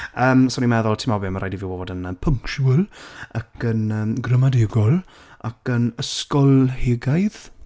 Yym so o'n i'n meddwl, timod be ma'n raid i fi fod yn punctual, ac yn gramadegol, ac yn ysgolheigaidd.